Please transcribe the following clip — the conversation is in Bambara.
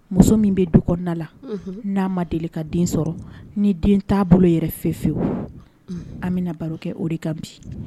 Muso min bɛ du kɔnɔna la n'a ma deli ka den sɔrɔ ni den t'a bolo yɛrɛ fɛ fewu an bɛna na baro kɛ o de kan bi